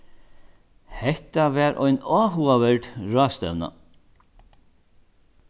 hetta var ein áhugaverd ráðstevna